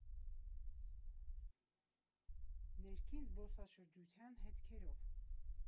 Ներքին զբոսաշրջության հետքերով։